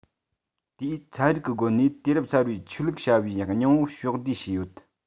དེས ཚན རིག གི སྒོ ནས དུས སྐབས གསར བའི ཆོས ལུགས བྱ བའི སྙིང བོ ཕྱོགས བསྡུས བྱས ཡོད